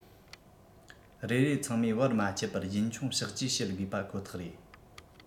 རེ རེ ཚང མས བར མ ཆད པར རྒྱུན འཁྱོངས གཤགས བཅོས བྱེད དགོས པ ཁོ ཐག རེད